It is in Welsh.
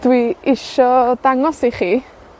dwi isio dangos i chi,